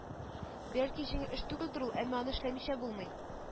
Бәлки җиңел эш түгелдер ул, әмма аны эшләмичә булмый